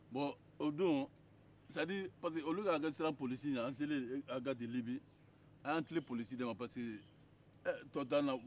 bon o don yanni ka siran polisi ɲɛ an selen agati libi an y'an tilen polisi de ma parce que tɔ t'an na